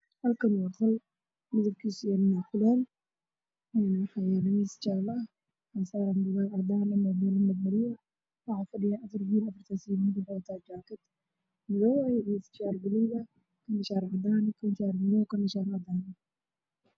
Meesha maxaa fadhiyo niman waxa ay ku fadhiyaan kuraas miis ayaa horyaalo waxa ay wataan suudaan iyo fitasheeriyo